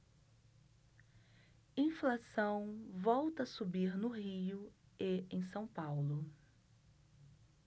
inflação volta a subir no rio e em são paulo